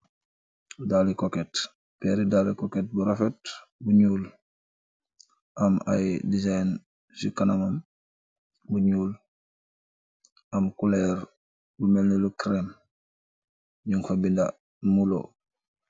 Daali cocket peeri daali coket bu rafet bu ñuul am ay design ci kanamam bu nuul am kuleer bu melne lu krem yun xoy binda mulo.